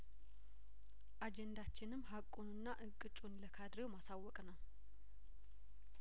አጀንዳችንም ሀቁንና እቅጩን ለካድሬው ማሳወቅ ነው